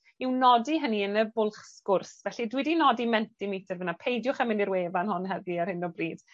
yw nodi hynny yn y bwlch sgwrs, felly dwi 'di nodi Mentimeter f'yna. Peidiwch â mynd i'r wefan hon heddi ar hyn o bryd.